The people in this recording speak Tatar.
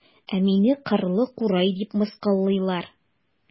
Ә мине кырлы курай дип мыскыллыйлар.